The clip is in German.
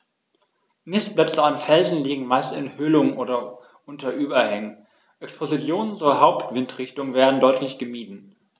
Nistplätze an Felsen liegen meist in Höhlungen oder unter Überhängen, Expositionen zur Hauptwindrichtung werden deutlich gemieden.